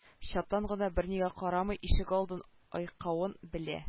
Чатан гына бернигә карамый ишегалдын айкавын белә